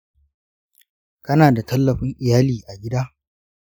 kana da tallafin iyali a gida?